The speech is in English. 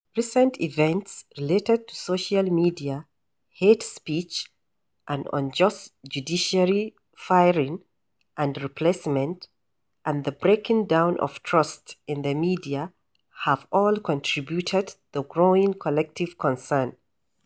Recent events related to social media, hate speech, an unjust judiciary firing and replacement, and the breaking down of trust in the media have all contributed to the growing collective concern.